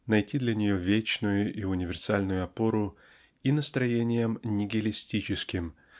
найти для нее вечную и универсальную опору -- и настроением нигилистическим